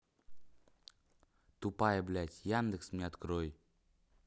тупая блядь яндекс мне открой